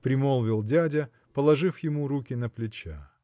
– примолвил дядя, положив ему руки на плечи.